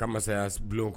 Ka mansaya bulon kɔnɔ